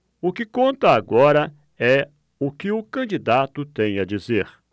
o que conta agora é o que o candidato tem a dizer